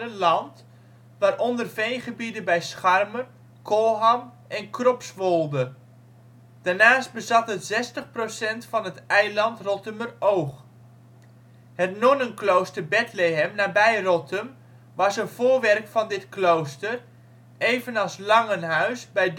land waaronder veengebieden bij Scharmer, Kolham en Kropswolde. Daarnaast bezat het 60 % van het eiland Rottumeroog. Het nonnenklooster Bethlehem nabij Rottum was een voorwerk van dit klooster, evenals Langenhuis (bij